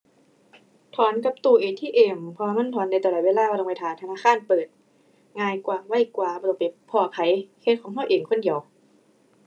ถอนกับตู้ ATM เพราะว่ามันถอนได้ตลอดเวลา บ่ต้องไปท่าธนาคารเปิด ง่ายกว่า ไวกว่า บ่ต้องไปพ้อไผ เฮ็ดของเราเองคนเดียว ⁠